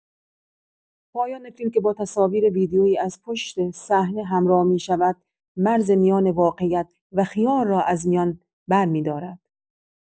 پایان فیلم که با تصاویر ویدیویی از پشت‌صحنه همراه می‌شود، مرز میان واقعیت و خیال را از میان برمی‌دارد.